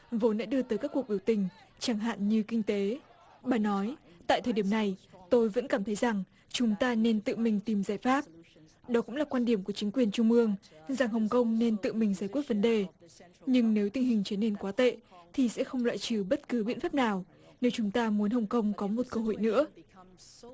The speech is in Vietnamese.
vốn đã đưa tới các cuộc biểu tình chẳng hạn như kinh tế bà nói tại thời điểm này tôi vẫn cảm thấy rằng chúng ta nên tự mình tìm giải pháp đó cũng là quan điểm của chính quyền trung ương rằng hồng công nên tự mình giải quyết vấn đề nhưng nếu tình hình trở nên quá tệ thì sẽ không loại trừ bất cứ biện pháp nào nếu chúng ta muốn hồng công có một cơ hội nữa